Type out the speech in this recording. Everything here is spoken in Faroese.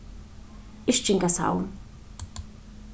yrkingasavn